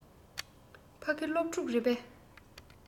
ཕ གི སློབ ཕྲུག རེད པས